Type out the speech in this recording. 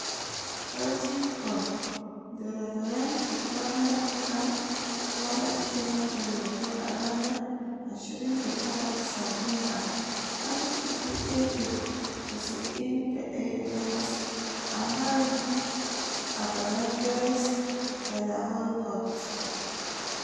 Lt Col The Reverend Bernard Vann ya lashe lambar yabo a ranar 29 Satumba 1918 a harin a Bellenglise da Lehaucourt.